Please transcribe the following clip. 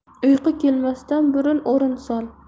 uyqu kelmasdan burun o'rin sol